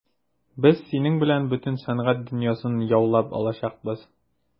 Без синең белән бөтен сәнгать дөньясын яулап алачакбыз.